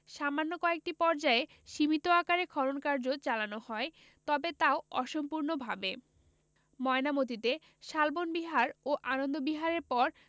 সামান্য কয়েকটি পর্যায়ে সীমিত আকারে খনন কার্য চালানো হয় তবে তাও অসম্পূর্ণভাবে ময়নামতীতে শালবন বিহার ও আনন্দ বিহারের পর